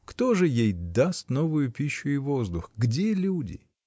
Кто же ей даст новую пищу и воздух? Где люди?